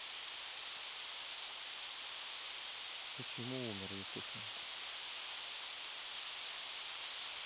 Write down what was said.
почему умер евтушенко